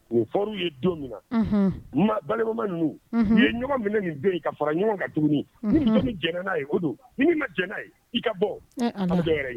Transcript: O fɔra ye don min ma balimama ninnu ye ɲɔgɔn minɛ nin ka fara ɲɔgɔn ka tuguni jɛnɛ n'a ye o don ni ma jɛnɛ n'a ye i ka bɔ an yɛrɛ ye